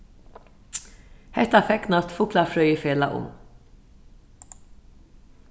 hetta fegnast fuglafrøðifelag um